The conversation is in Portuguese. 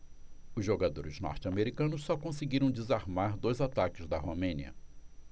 os jogadores norte-americanos só conseguiram desarmar dois ataques da romênia